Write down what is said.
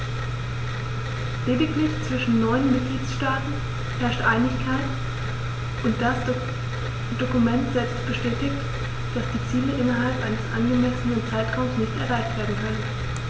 Lediglich zwischen neun Mitgliedsstaaten herrscht Einigkeit, und das Dokument selbst bestätigt, dass die Ziele innerhalb eines angemessenen Zeitraums nicht erreicht werden können.